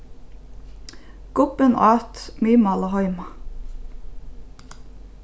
gubbin át miðmála heima